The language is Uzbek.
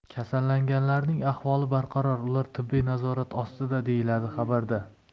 kasallanganlarning ahvoli barqaror ular tibbiy nazorat ostida deyiladi xabarda